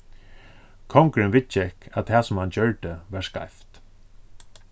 kongurin viðgekk at tað sum hann gjørdi var skeivt